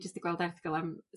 jyst 'di gweld erthygl am